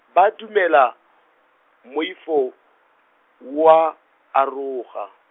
ba dumela, moifo, wa, aroha.